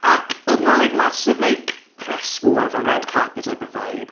ac odd 'na like massive like press wall, fel red carpet type of vibe.